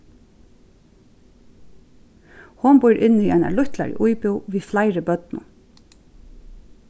hon býr inni í eini lítlari íbúð við fleiri børnum